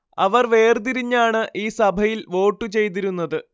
അവർ വേർ തിരിഞ്ഞാണ് ഈ സഭയിൽ വോട്ടു ചെയ്തിരുന്നത്